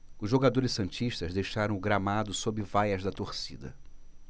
os jogadores santistas deixaram o gramado sob vaias da torcida